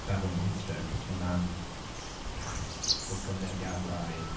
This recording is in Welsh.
Feral Monster, 'cos ma' 'na'n cast o gymeriadau...